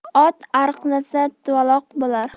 ot oriqlasa tuvaloq bo'lar